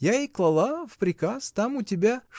Я и клала в приказ: там у тебя.